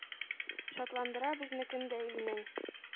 Шатландыра безне көн дә илнең